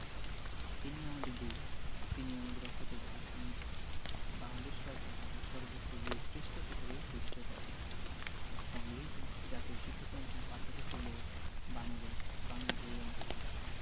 তিনি আমাদের গৌরব তিনি আমাদের অকুতোভয় বীর বাংলাদেশ সরকার তাঁকে সর্বোচ্চ বীরশ্রেষ্ঠ খেতাবে ভূষিত করে সংগৃহীত জাতীয় শিক্ষাক্রম ও পাঠ্যপুস্তক বোর্ড বাংলাদেশ বাংলা বই এর অন্তর্ভুক্ত